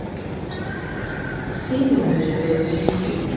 северный ледовитый